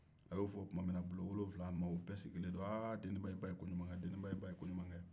a y'o fɔ tuma minna bulon wolonfila maaw u bɛɛ sigilen don aa deniba i ba ye koɲuman kɛ